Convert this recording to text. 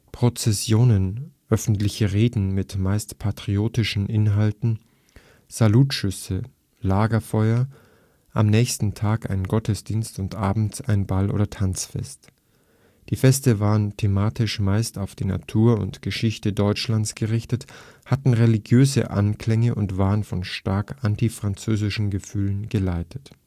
Prozessionen, öffentliche Reden mit meist patriotischen Inhalten, Salutschüsse, Lagerfeuer, am nächsten Tag ein Gottesdienst und abends ein Ball oder Tanzfest. Die Feste waren thematisch meist auf die Natur und Geschichte Deutschlands gerichtet, hatten religiöse Anklänge und waren von stark antifranzösischen Gefühlen geleitet